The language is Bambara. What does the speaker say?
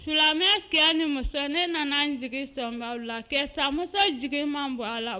Silamɛmɛ kɛ ni mu ne nana n jigi san la sanmuso jigin ma bɔ a la